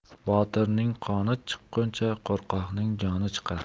botirning qoni chiqquncha qo'rqoqning joni chiqar